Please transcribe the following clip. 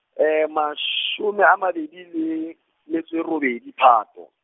mashome a mabedi le, metso e robedi, Phato.